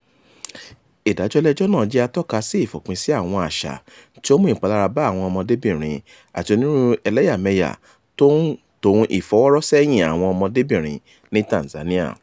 Ìdájọ́ ilé ẹjọ́ náà jẹ́ atọ́ka sí ìfòpinsí àwọn àṣà tí ó ń mú ìpalára bá àwọn ọmọdébìnrin àti onírúurú ẹlẹ́yàmẹyà tòun ìfọwọ́rọ́sẹ́yìn àwọn ọmọdébìnrin ní Tanzania.